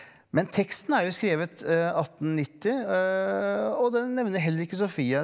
men teksten er jo skrevet 1890 og den nevner heller ikke Sofie.